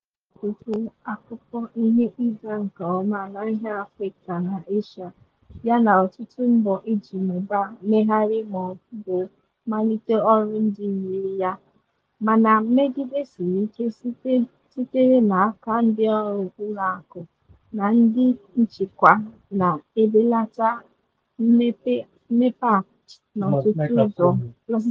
E nweela ọtụtụ akụkọ ihe ịga nke ọma n'ahịa Afrịka na Asia, yana ọtụtụ mbọ iji mụbaa, megharịa maọbụ malite ọrụ ndị yiri ya, mana mmegide siri ike sitere n'aka ndịọrụ ụlọakụ na ndị nchịkwa na-ebelata mmepe a n'ọtụtụ ụzọ.